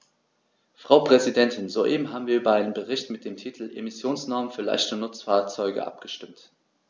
Frau Präsidentin, soeben haben wir über einen Bericht mit dem Titel "Emissionsnormen für leichte Nutzfahrzeuge" abgestimmt.